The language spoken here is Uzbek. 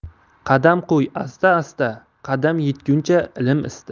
qadam qo'y asta asta qadam yetguncha ilm ista